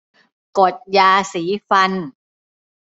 กดยาสีฟัน